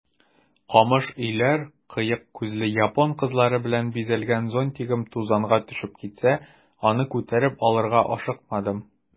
Камыш өйләр, кыек күзле япон кызлары белән бизәлгән зонтигым тузанга төшеп китсә, аны күтәреп алырга ашыкмадым.